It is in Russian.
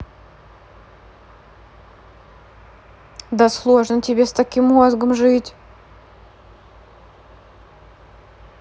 да сложно тебе с таким мозгом жить